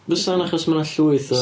Fysen achos ma' 'na llwyth o...